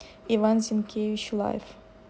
иван зинкевич лайф